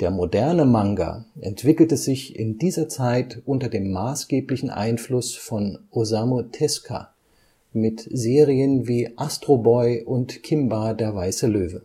moderne Manga entwickelte sich in dieser Zeit unter dem maßgeblichen Einfluss von Osamu Tezuka mit Serien wie Astro Boy und Kimba, der weiße Löwe